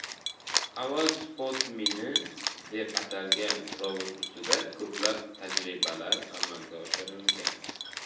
avval spotmini deb atalgan robot ustida ko'plab tajribalar amalga oshirilgan